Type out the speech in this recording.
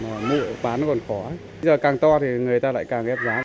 mà mua bán còn khó giờ càng to thì người ta lại càng ép giá